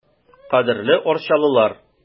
Кадерле арчалылар!